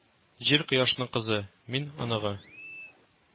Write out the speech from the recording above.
Җир Кояшның кызы, мин оныгы